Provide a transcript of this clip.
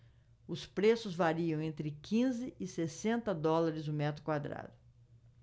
os preços variam entre quinze e sessenta dólares o metro quadrado